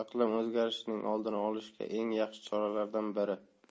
iqlim o'zgarishining oldini olishda eng yaxshi choralardan biri